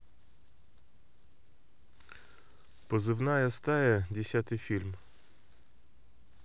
позывная стая десятый фильм